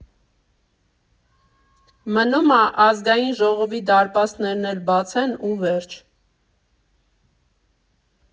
Մնում ա Ազգային Ժողովի դարպասներն էլ բացեն ու վերջ։